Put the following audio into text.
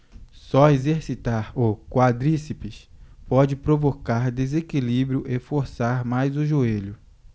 só exercitar o quadríceps pode provocar desequilíbrio e forçar mais o joelho